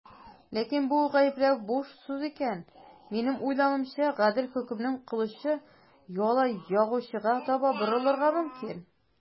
Ләкин бу гаепләү буш сүз икән, минем уйлавымча, гадел хөкемнең кылычы яла ягучыга таба борылырга мөмкин.